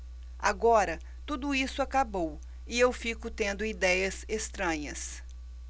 agora tudo isso acabou e eu fico tendo idéias estranhas